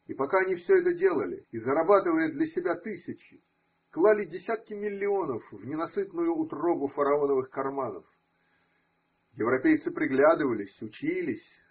И пока они все это делали и, зарабатывая для себя тысячи, клали десятки миллионов в ненасытную утробу фараоновых карманов, – европейцы приглядывались, учились.